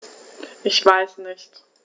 Ich weiß nicht.